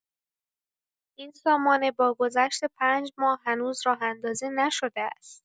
این سامانه با گذشت ۵ ماه، هنوز راه‌اندازی نشده است.